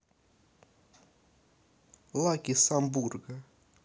lucky самбурга